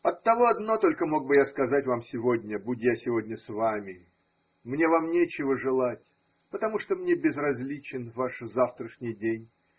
Оттого одно только мог бы я сказать вам сегодня, будь я сегодня с вами: мне вам нечего желать, потому что мне безразличен ваш завтрашний день.